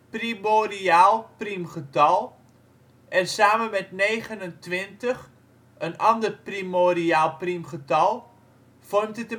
primoriaal priemgetal, en samen met negenentwintig, een ander primoriaal priemgetal, vormt het